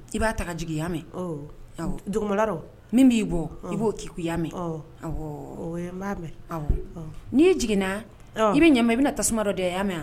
I b'a taya mɛn min b'i bɔ i b'o kkuya mɛn mɛn n'i ye jiginna i bɛ ɲa i bɛna na tasuma dɔ dɛ y' mɛn